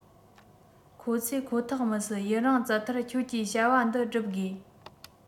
ཁོ ཚོས ཁོ ཐག མི སྲིད ཡུན རིང བཙལ མཐར ཁྱོད ཀྱིས བྱ བ འདི བསྒྲུབ དགོས